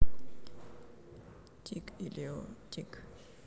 тиг и лео тиг